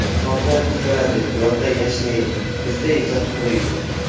bahorda ko'karadi yozda yashnaydi kuzakda esa quriydi